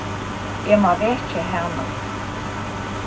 eg má vekja hana